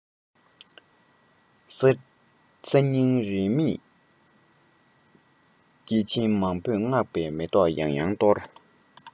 གསར རྙིང རིས མེད སྐྱེས ཆེན མང པོས བསྔགས པའི མེ ཏོག ཡང ཡང གཏོར